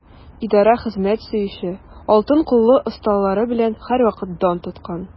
Идарә хезмәт сөюче, алтын куллы осталары белән һәрвакыт дан тоткан.